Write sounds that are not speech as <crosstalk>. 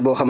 <hesitation> <hesitation>